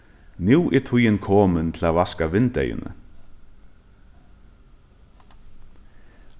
nú er tíðin komin til at vaska vindeyguni